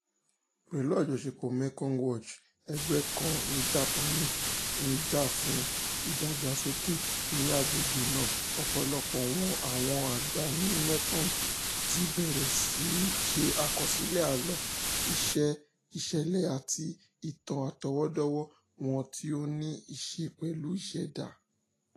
Pẹ̀lú àjọṣepọ̀ Mekong Watch, ẹgbẹ́ kan ní Jápáànì ń jà fún ìdàgbàsókè ní agbègbè náà, ọ̀pọ̀lọpọ̀ àwọn àgbà ní Mekong ti bẹ̀rẹ̀ sí ní ṣe àkọsílẹ̀ àlọ́, ìṣẹ̀lẹ̀ àti ìtàn àtọwọ́dọ́wọ́ọ wọn tí ó ní íṣe pẹ̀lú ìṣẹ̀dá.